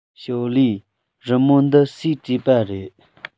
ཞོའོ ལིའི རི མོ འདི སུས བྲིས པ རེད